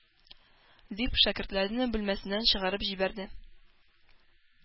Дип, шәкертләрне бүлмәсеннән чыгарып җибәрде.